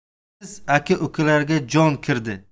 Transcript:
biz aka ukalarga jon kirdi